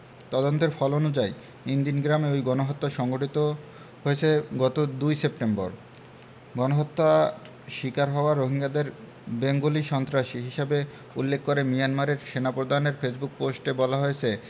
তদন্তের ফল অনুযায়ী ইনদিন গ্রামের ওই গণহত্যা সংঘটিত হয়েছে গত ২ সেপ্টেম্বর গণহত্যা শিকার হওয়া রোহিঙ্গাদের বেঙ্গলি সন্ত্রাসী হিসেবে উল্লেখ করে মিয়ানমারের সেনাপ্রধানের ফেসবুক পোস্টে বলা হয়েছে